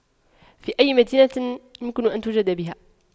في أي مدينة يمكن أن توجد بها